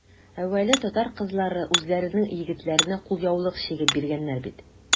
Әүвәле татар кызлары үзләренең егетләренә кулъяулык чигеп биргәннәр бит.